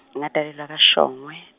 ngatalelwa kaShongwe.